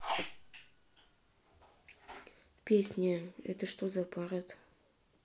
песня это что за аппарат